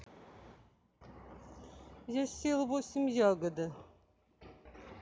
я сел восемь ягода